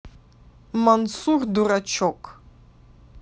мансур дурачок